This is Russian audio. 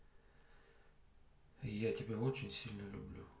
я тебя очень сильно люблю